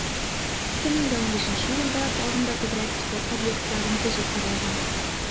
2015 елда тагын да күбрәк спорт объектларын төзү каралган.